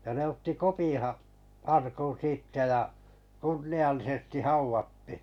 ja ne otti Kopin - arkun siitä ja kunniallisesti haudattiin